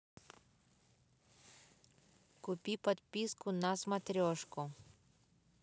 купи подписку на смотрешку